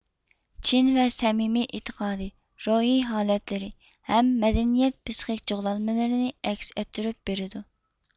چىن ۋە سەمىمىي ئېتىقادى روھىي ھالەتلىرى ھەم مەدەنىيەت پسىخىك خۇغلانمىلىرىنى ئەكس ئەتتۈرۈپ بېرىدۇ